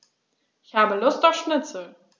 Ich habe Lust auf Schnitzel.